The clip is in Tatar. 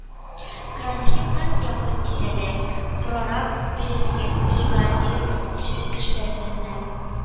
Кранчы кыз якын-тирәдә прораб, бри бригадир ише кешеләрнеө